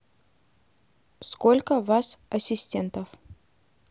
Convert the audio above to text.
сколько вас ассистентов